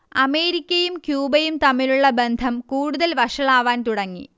അമേരിക്കയും ക്യൂബയും തമ്മിലുള്ള ബന്ധം കൂടുതൽ വഷളാവാൻ തുടങ്ങി